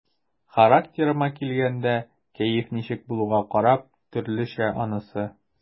Характерыма килгәндә, кәеф ничек булуга карап, төрлечә анысы.